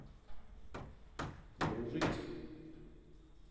дружить